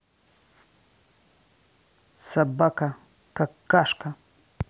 собака какашка